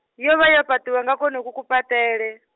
yo vha yo fhaṱiwa nga kwonoku kufhaṱele.